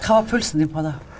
hva var pulsen din på da?